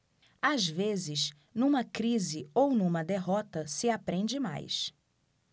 às vezes numa crise ou numa derrota se aprende mais